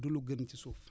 du gën ci suuf